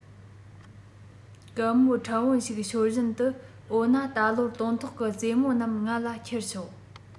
གད མོ ཕྲན བུ ཞིག ཤོར བཞིན དུ འོ ན ད ལོར སྟོན ཐོག གི ཙེ མོ རྣམས ང ལ ཁྱེར ཤོག